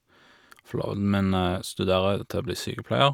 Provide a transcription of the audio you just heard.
Forloveden min studerer til å bli sykepleier.